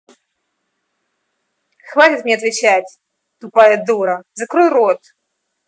хватит мне отвечать тупая дура закрой рот